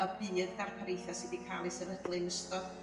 y bydd darpariaetha sy 'di ca'l eu sefydlu'n ystod